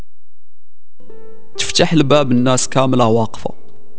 تحل باب الناس كامله واقفه